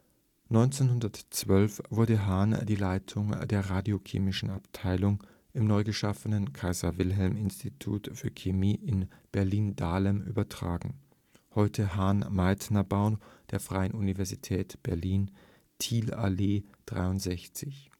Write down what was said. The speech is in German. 1912 wurde Hahn die Leitung der radiochemischen Abteilung im neugeschaffenen Kaiser-Wilhelm-Institut für Chemie in Berlin-Dahlem übertragen (heute „ Hahn-Meitner-Bau “der Freien Universität Berlin, Thielallee 63